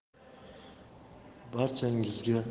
barchangizga sihat salomatlik